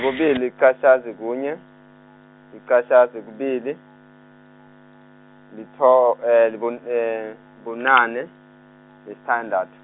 kubili, liqatjhazi, kunye, liqatjhazi, kubili, litho- libun- bunane, nesithandathu.